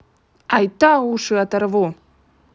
айта уши оторву